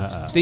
xa a